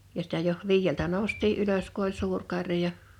ja sitä jo viideltä noustiin ylös kun oli suuri karja